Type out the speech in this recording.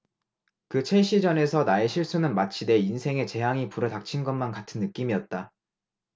그 첼시 전에서 나의 실수는 마치 내 인생에 재앙이 불어닥친 것만 같은 느낌이었다